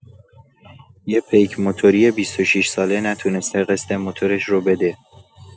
یه پیک موتوری ۲۶ ساله نتونسته قسط موتورش رو بده.